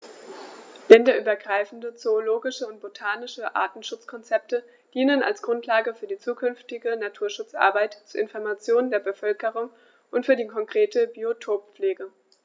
Länderübergreifende zoologische und botanische Artenschutzkonzepte dienen als Grundlage für die zukünftige Naturschutzarbeit, zur Information der Bevölkerung und für die konkrete Biotoppflege.